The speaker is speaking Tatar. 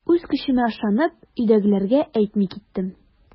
Үз көчемә ышанып, өйдәгеләргә әйтми киттем.